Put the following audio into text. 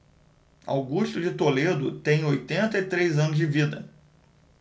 augusto de toledo tem oitenta e três anos de vida